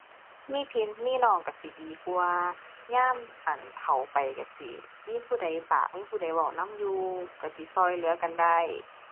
มีพี่มีน้องก็สิดีกว่า ยาม อั่น เฒ่าไปก็สิมีผู้ใดปากมีผู้ใดเว้านำอยู่ ก็สิก็เหลือกันได้